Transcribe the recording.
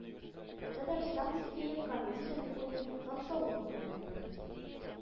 Татарстан мөфтие Камил Сәмигуллин мактаулы кунак булды